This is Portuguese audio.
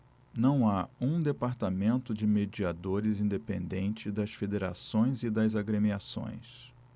não há um departamento de mediadores independente das federações e das agremiações